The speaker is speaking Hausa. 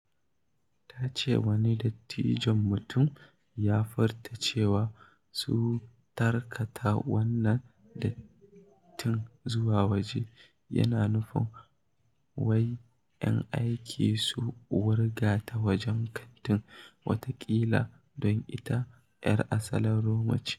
Ta ce wani dattijon mutum ya furta cewa "su tarkata wannan dattin zuwa waje", yana nufin wai 'yan aiki su wurga ta wajen kantin, wataƙila don ita 'yar asalin Roma ce.